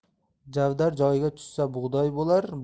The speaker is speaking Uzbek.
javdar joyiga tushsa bug'doy bo'lar